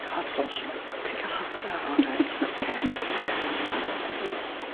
Hot flush 'wan. Ti'n ca'l ho- o reit ocê ti baro'? Yndw.